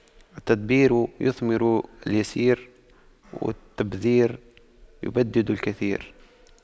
التدبير يثمر اليسير والتبذير يبدد الكثير